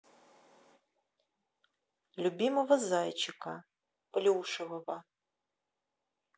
любимого зайчика плюшевого